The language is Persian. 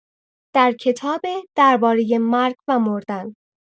در کتاب درباره مرگ و مردن